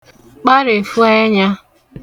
kparèfụ ẹnyā